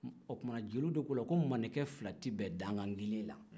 o tumana jeliw de k'o la ko malikɛ fila tɛ bɛn dangan kelen na